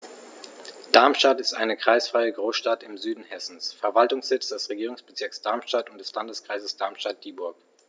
Darmstadt ist eine kreisfreie Großstadt im Süden Hessens, Verwaltungssitz des Regierungsbezirks Darmstadt und des Landkreises Darmstadt-Dieburg.